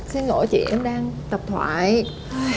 xin lỗi chị em đang tập thoại